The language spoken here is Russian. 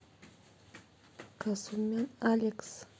касумян алекс